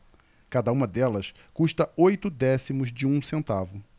cada uma delas custa oito décimos de um centavo